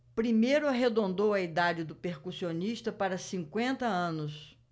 primeiro arredondou a idade do percussionista para cinquenta anos